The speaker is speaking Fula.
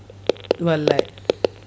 wallay